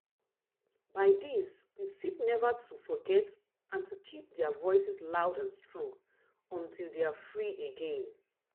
By this, we seek never to forget and to keep their voices loud and strong, until they are free again.